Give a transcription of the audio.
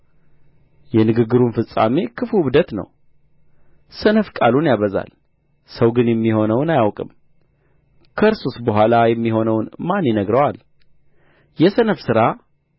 የንግግሩ ፍጻሜም ክፉ እብደት ነው ሰነፍ ቃሉን ያበዛል ሰው ግን የሚሆነውን አያውቅም ከእርሱስ በኋላ የሚሆነውን ማን ይነግረዋል የሰነፍ ሥራ